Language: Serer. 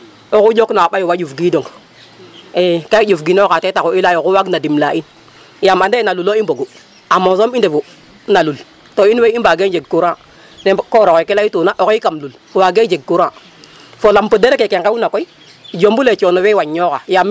Oxu ƴookna xa ɓayof a ƴufgiidong ga i ƴufgixooxaa ten taxu i lay ee o xu waagna damta in yaam ande na Lulo i mbogu amo soom o i ndefu na Lul to in way i mbaagee njeg courant ne koor oxe laytuna oxay kam LUl waagee jeg courant lampe der kene nqewna koy jombul ee coono fe wañooxa.